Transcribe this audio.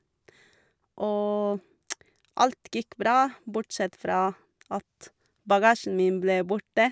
Og alt gikk bra, bortsett fra at bagasjen min ble borte.